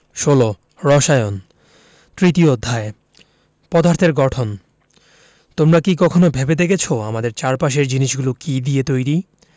১৬ রসায়ন তৃতীয় অধ্যায় পদার্থের গঠন তোমরা কি কখনো ভেবে দেখেছ আমাদের চারপাশের জিনিসগুলো কী দিয়ে তৈরি